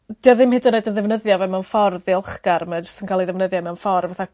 'di o ddim hyd yn yn ddefnyddio fe mewn ffordd diolchgar mae jyst yn ca'l ei ddefnyddio mewn ffordd fatha